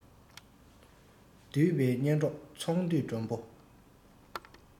འདུས པའི གཉེན གྲོགས ཚོང འདུས མགྲོན པོ